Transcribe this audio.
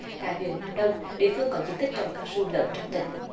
tại huyện nam đông địa phương có diện tích trồng cao su lớn trong tỉnh